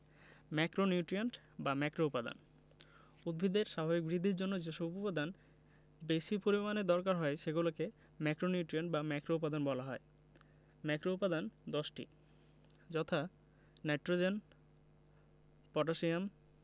macronutrient বা ম্যাক্রোউপাদান উদ্ভিদের স্বাভাবিক বৃদ্ধির জন্য যেসব উপাদান বেশি পরিমাণে দরকার হয় সেগুলোকে ম্যাক্রোনিউট্রিয়েন্ট বা ম্যাক্রোউপাদান বলা হয় ম্যাক্রোউপাদান ১০টি যথা নাইট্রোজেন পটাসশিয়াম